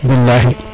bilay